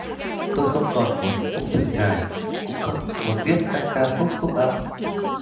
tôi không còn muốn phụng sự ngài cũng không muốn viết các ca khúc phúc âm